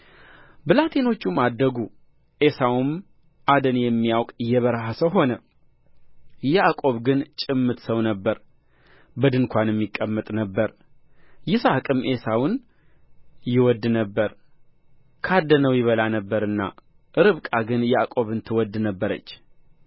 ብላቴኖቹም አደጉ ዔሳውም አደን የሚያውቅ የበረሃ ሰው ሆነ ያዕቆብ ግን ጭምት ሰው ነበረ በድንኳንም ይቀመጥ ነበር ይስሐቅም ዔሳውን ይወድ ነበር ካደነው ይበላ ነበርና ርብቃ ግን ያዕቆብን ትወድ ነበረች